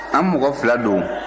an mɔgɔ fila don